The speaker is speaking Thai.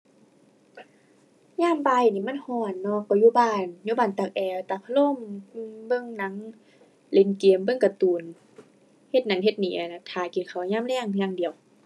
ยามบ่ายนี่มันร้อนเนาะ ก็อยู่บ้าน อยู่บ้านตากแอร์ ตากพัดลม อือ เบิ่งหนัง เล่นเกม เบิ่งการ์ตูน เฮ็ดนั่นเฮ็ดนี่นั่นแหละ ท่ากินข้าวยามแลงอย่างเดียว